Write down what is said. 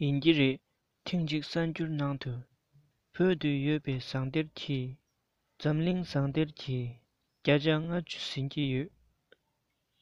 ཡིན གྱི རེད ཐེངས གཅིག གསར འགྱུར ནང དུ བོད དུ ཡོད པའི ཟངས གཏེར གྱིས འཛམ གླིང ཟངས གཏེར གྱི བརྒྱ ཆ ལྔ བཅུ ཟིན གྱི ཡོད